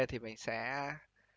thì mình sẽ